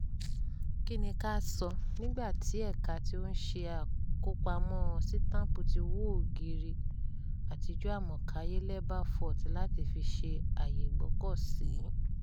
Kí ni ká sọ? Nígbà tí ẹ̀ka tí ó ń ṣe àkópamọ́ sítám̀pù ti wo ògiri àtijọ́ àmọ̀káyée Lalbagh Fort láti fi ṣe àyè ìgbọ́kọ̀sí.